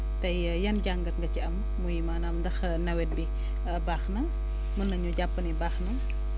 tey yan jàngat nga ci am muy maanaam ndax nawet bi baax na mën nañu jàpp ni baax na